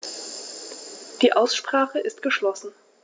Die Aussprache ist geschlossen.